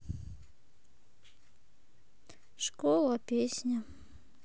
школа песня